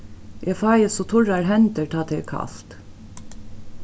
eg fái so turrar hendur tá tað er kalt